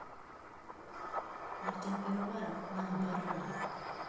артем пивоваров нам баран